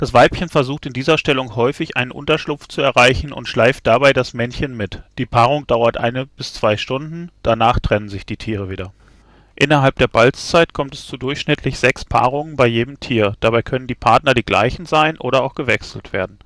Weibchen versucht in dieser Stellung häufig, einen Unterschlupf zu erreichen und schleift dabei das Männchen mit. Die Paarung dauert eine bis zwei Stunden, danach trennen sich die Tiere wieder. Innerhalb der Balzzeit kommt es zu durchschnittlich sechs Paarungen bei jedem Tier, dabei können die Partner die gleichen sein oder auch gewechselt werden